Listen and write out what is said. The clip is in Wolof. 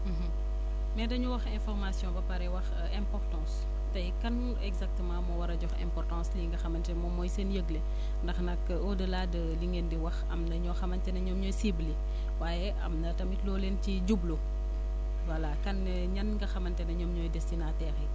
mais dañoo wax information ba pare wax importance tey kan exactement moo war a jowxe importance lii nga xamante moom mooy seen yëgle ndax nag au delà de li ngeen di wax am na ñoo xamante ne ñoom ñooy cible yi waaye am na tamit loo leen ciy jublu voilà kan ñan nga xamante ne ñoom ñooy destinataires yi